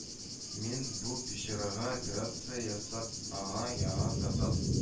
Мин бу бичарага операция ясап, аңа яңа газап